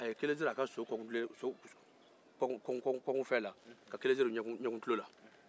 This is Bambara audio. a ye kelen siri a ka so kkun na ka kelen siri ɲɛkuntulo la